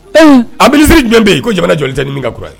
A ministre jumɛn be yen ko jamana jɔlen tɛ ni min ka courant ye ?